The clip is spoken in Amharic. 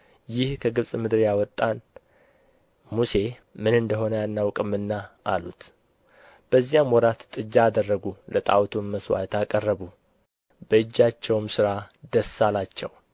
ይህ ከግብፅ ምድር ያወጣን ሙሴ ምን እንደ ሆነ አናውቅምና አሉት በዚያም ወራት ጥጃ አደረጉ ለጣዖቱም መሥዋዕት አቀረቡ በእጃቸውም ሥራ ደስ አላቸው